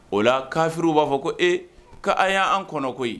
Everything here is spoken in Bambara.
O la kafiw b'a fɔ ko ee' an y'an kɔnɔ koyi